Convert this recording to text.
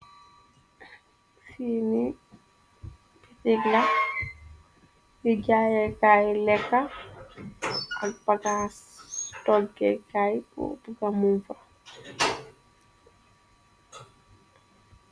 fini bitikla bu jayekaay lekka ak bakaas toggekay bo bukamun fa